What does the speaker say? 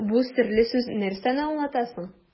Бу серле сүз нәрсәне аңлата соң?